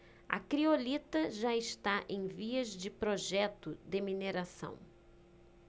a criolita já está em vias de projeto de mineração